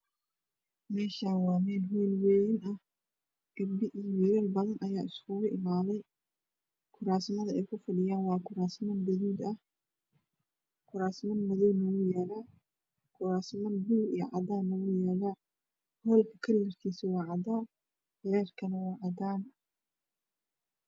Meshan waa mel hool ween ah gabdho iyo wiilal badan ayaa iskugu imadeen kuraasta ey ku fadhiyaanwaa ku raas gaduud ah kuraas madow ahna wey yalaan hoolkk kalrkiisa waa cadaan leerka waa cadaan